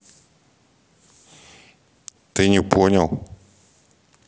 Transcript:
ты не понял